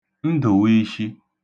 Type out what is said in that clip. Ndə̣̀wiishi